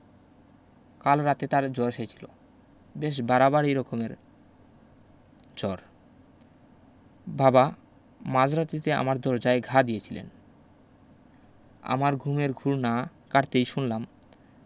কাল রাতে তার জ্বর এসেছিল বেশ বাড়াবাড়ি রকমের জ্বর বাবা মাঝ রাত্রিতে আমার দরজায় ঘা দিয়েছিলেন আমার ঘুমের ঘুর না কাটতেই শুনলাম